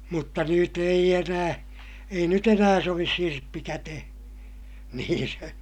mutta nyt ei enää ei nyt enää sovi sirppi käteen niin se